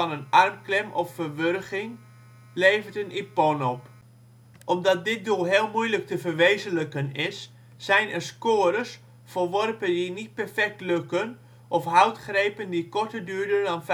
een armklem of verwurging levert een ippon op. Omdat dit doel heel moeilijk te verwezenlijken is, zijn er scores voor worpen die niet perfect lukken, of houdgrepen die korter duren dan